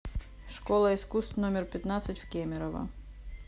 школа искусств номер пятнадцать в кемерово